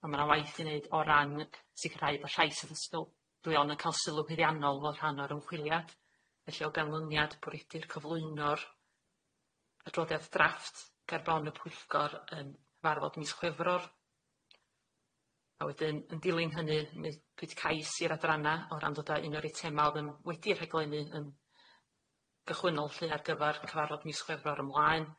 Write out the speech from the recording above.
on' ma' na waith i neud o ran sicirhau bo' rhai disgyblion yn ca'l sylw gwyddiannol o rhan o'r ymchwiliad, felly o ganlyniad bwredi'r cyflwyno'r adroddiad drafft gerbon y pwyllgor yn cyfarfod mis Chwefror, a wedyn yn dilyn hynny my- pryd cais i'r adrana o ran dod a un or eitema o'dd yn wedi'r rhaglenni yn gychwynnol lly ar gyfar cyfarfod mis Chwefror ymlaen.